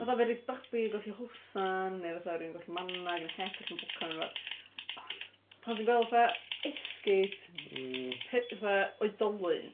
Fatha fedrith babi golli hosan neu fatha rywun golli manag ne' het ne' wbath ond pan ti'n gweld fatha esgid... Hmm. ...pe- fatha oedolyn.